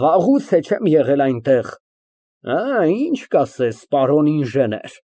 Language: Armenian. Վաղուց է չեմ եղել այնտեղ։ Հըմ, ի՞նչ կասես, պարոն ինժեներ։